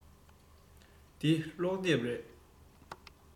འདི སློབ དེབ རེད